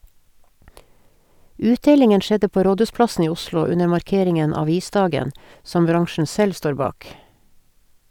Utdelingen skjedde på Rådhusplassen i Oslo under markeringen Avisdagen, som bransjen selv står bak.